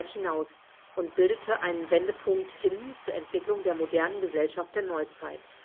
hinaus und bildete einen Wendepunkt hin zur Entwicklung der modernen Gesellschaft der Neuzeit